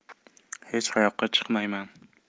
xech qayoqqa chiqmayman